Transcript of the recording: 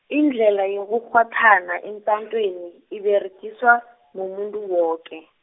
indlhela yokukghwathana emtatweni, iberegiswa, mumuntu woke.